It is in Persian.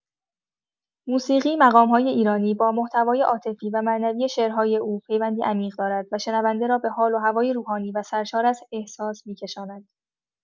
موسیقی مقام‌های ایرانی با محتوای عاطفی و معنوی شعرهای او پیوندی عمیق دارد و شنونده را به حال و هوای روحانی و سرشار از احساس می‌کشاند.